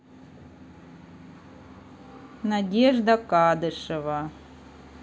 надежда кадышева